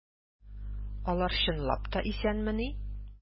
Алар чынлап та исәнмени?